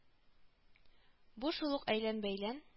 Бу шул ук әйлән-бәйлән